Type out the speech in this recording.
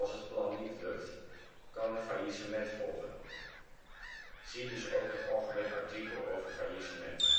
het plan niet lukt, kan een faillissement volgen. Zie dus ook het algemeen artikel over faillissement